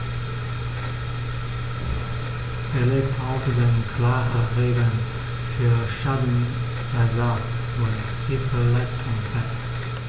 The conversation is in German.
Sie legt außerdem klare Regeln für Schadenersatz und Hilfeleistung fest.